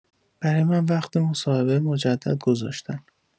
برای من وقت مصاحبه مجدد گذاشتن.